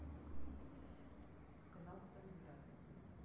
канал сталинград